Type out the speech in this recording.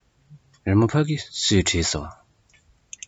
རི མོ ཕ གི སུས བྲིས སོང